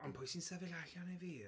Ond pwy sy'n sefyll allan i fi?